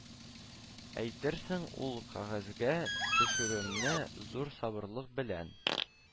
Әйтерсең ул кәгазьгә төшерүемне зур сабырлык белән